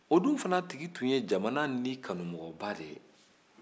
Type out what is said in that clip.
o dun tigi fana tun ye jamana nin kanumɔgɔba de ye